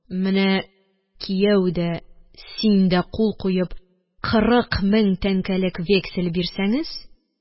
Менә кияү дә, син дә кул куеп кырык мең тәңкәлек вексель бирсәңез,